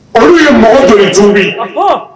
Olu ye mɔgɔw tɔ tu bɛ ye